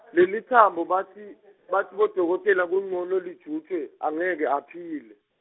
lelitsambo batsi, batsi bodokotela kuncono lijutjwe, angeke aphile.